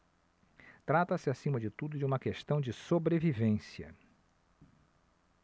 trata-se acima de tudo de uma questão de sobrevivência